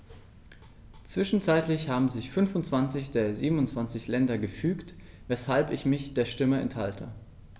Zwischenzeitlich haben sich 25 der 27 Länder gefügt, weshalb ich mich der Stimme enthalte.